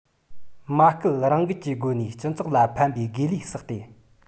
མ སྐུལ རང འགུལ གྱི སྒོ ནས སྤྱི ཚོགས ལ ཕན པའི དགེ ལས བསགས ཏེ